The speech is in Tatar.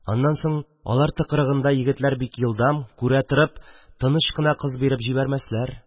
Аннан соң, алар тыкрыгында егетләр бик елдам, күрә торып, тыныч кына кыз биреп җибәрмәсләр